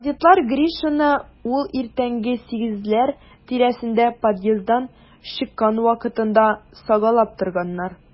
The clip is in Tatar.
Бандитлар Гришинны ул иртәнге сигезләр тирәсендә подъезддан чыккан вакытында сагалап торганнар.